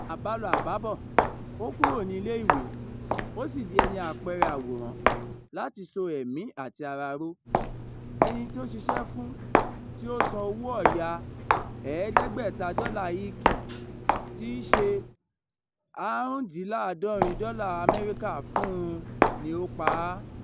Àbálọ àbábọ̀, ó kúrò ní ilé-ìwé, ó sì di ẹni-àpẹẹrẹ àwòrán láti so ẹ̀mí àti ara ró. Ẹni tí ó ṣiṣẹ́ fún tí ó san owó ọ̀yà HK$500 dollars (US$65) fún un ni ó pa a.